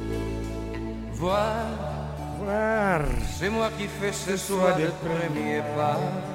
Fa fa sema'i fɛ seso bɛ tun min ba